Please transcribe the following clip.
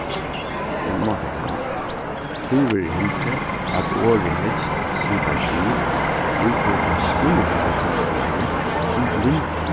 bíða eg má taka hatta umaftur tí verður hildið at orðið helst sipar til heldur tað stíva eygnabráið sum blind